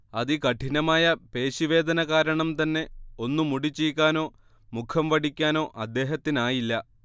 അതികഠിനമായ പേശി വേദന കാരണം തന്നെ ഒന്ന് മുടി ചീകാനോ മുഖം വടിക്കാനൊ അദ്ദേഹത്തിനായില്ല